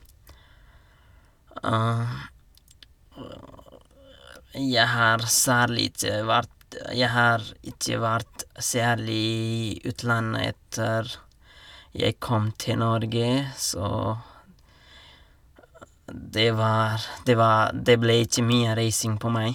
Jeg har særlig ikke vært jeg har ikke vært særlig i utlandet etter jeg kom til Norge, så det var det var det ble ikke mye reising på meg.